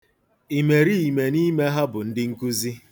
Imeriime n'ime ha bụ ndị nkụzi.